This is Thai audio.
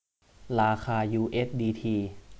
ราคายูเอสดีที